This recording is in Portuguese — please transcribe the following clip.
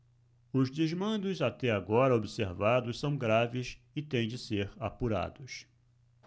os desmandos até agora observados são graves e têm de ser apurados